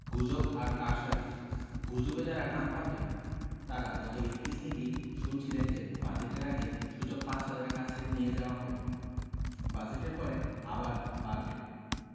গুজব আর কারসাজি গুজবে যাঁরা কান পাতেন তাঁরা গত এপ্রিল থেকেই শুনছিলেন যে বাজেটের আগে সূচক ৫ হাজারের কাছে নিয়ে যাওয়া হবে বাজেটের পরে আবার বাড়বে